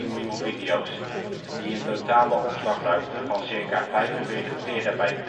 miljoen video 's, die een totale opslagruimte van circa 45 terabyte tellen